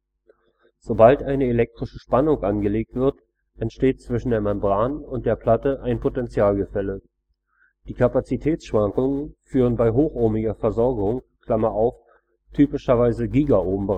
Sobald eine elektrische Spannung angelegt wird, entsteht zwischen der Membran und der Platte ein Potentialgefälle. Die Kapazitätsschwankungen führen bei hochohmiger Versorgung (typischerweise Gigaohm-Bereich